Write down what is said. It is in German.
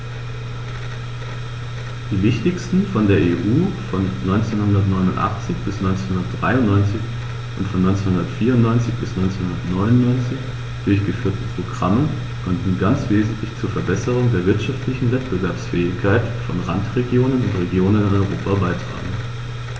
Die wichtigsten von der EU von 1989 bis 1993 und von 1994 bis 1999 durchgeführten Programme konnten ganz wesentlich zur Verbesserung der wirtschaftlichen Wettbewerbsfähigkeit von Randregionen und Regionen in Europa beitragen.